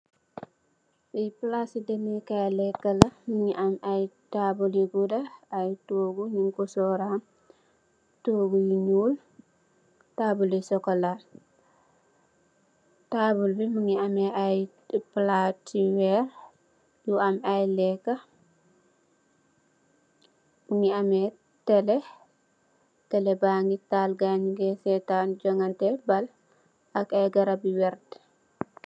Lii plasi tego Kay lekala mungi am ayy tabule yu guda ayy togu nyungko soround togu yu nyul tabule yu chocola. Tabulbi mungi ameh plat yu weh yu am ayy leka, Mungi ameh tele, tele bangi tal gayangi setane jongenteh bal AK ayy garab you wert